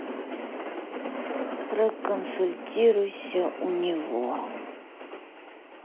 проконсультируйся у него